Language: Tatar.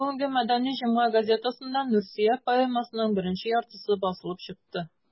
Бүгенге «Мәдәни җомга» газетасында «Нурсөя» поэмасының беренче яртысы басылып чыкты.